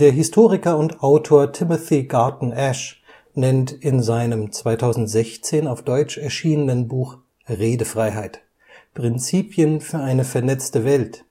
Historiker und Autor Timothy Garton Ash nennt in seinem 2016 auf Deutsch erschienenen Buch Redefreiheit. Prinzipien für eine vernetzte Welt